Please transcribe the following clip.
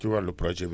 ci wàllu projet bi